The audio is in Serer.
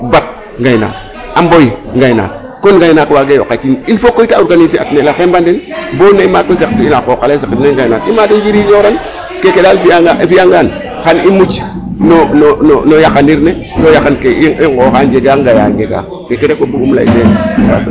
Tabaski ngaynaak, bat ngaynaak, a mboy ngaynaak comme ngaynaak waagee yoq a cinj il faut koy ta organiser at a xembanin bo ne maak we saqit'ina a qooq ale a saqit'u ngaynaak i maadin o njiriñoran keke daal a jegangaan xan i muc no no no yaqanir ne to yaqan ke i nqooxaa ke laya laya njega ke buguma lay teen.